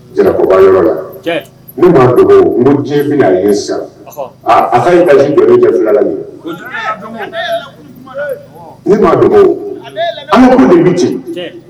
Jɛnɛba yɔrɔ la dogo n ji bɛna ye sisan aaa a ye jɔ cɛ filala min dogo nin bi ci